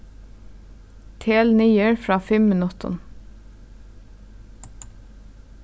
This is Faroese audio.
tel niður frá fimm minuttum